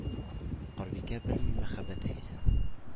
Карбикә белми мәхәббәт хисен.